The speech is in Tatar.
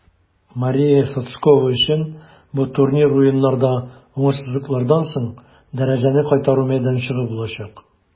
Мария Сотскова өчен бу турнир Уеннарда уңышсызлыклардан соң дәрәҗәне кайтару мәйданчыгы булачак.